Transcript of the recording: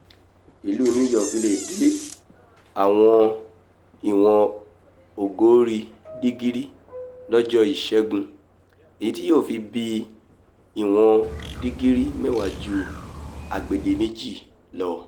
Ìlú New York leè dé àwọ̀n ìwọ̀n ọgọ́rin dìgírì lọ́jọ́ Ìṣẹ́gun, èyítí yóò fi bíi ìwọ̀n dìgírì mẹ́wàá ju agbedeméjì lọ.